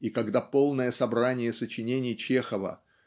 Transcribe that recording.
и когда полное собрание сочинений Чехова